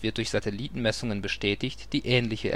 durch Satellitenmessungen bestätigt, die ähnliche Erwärmungstrends